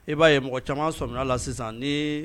I ba ye mɔgɔ caman sɔmin na la sisan ni